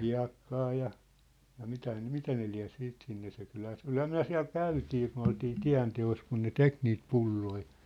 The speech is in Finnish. hiekkaa ja ja mitä ne mitä ne lie sitten sinne se kyllähän se oli kyllähän me siellä käytiin kun oltiin tienteossa kun ne teki niitä pulloja